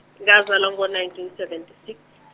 ngazalwa ngo- nineteen seventy six.